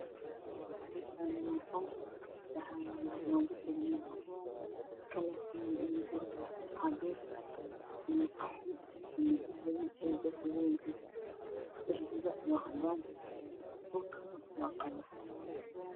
Meeshan Waa qol waxaa yaalo armaajo tawlet ah kalarkeedu uu yahay cadees iyo qaxwi iyo dahabi ayuu ka kooban yahay darbiga waa cadan dhilkana waa qalin